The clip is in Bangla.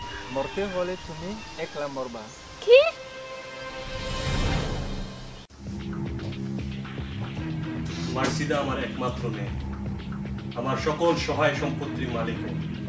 মরতে হলে তুমি একলা মরবা কি মাসিদা আমার একমাত্র মেয়ে আমার সকল সহায় সম্পত্তির মালিক ও